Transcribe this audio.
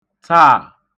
taà